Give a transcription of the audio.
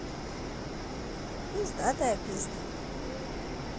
пиздатая песня